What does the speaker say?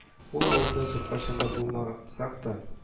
Ул авылда беркайчан да булмасак та